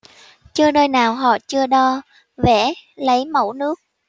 chưa nơi nào họ chưa đo vẽ lấy mẫu nước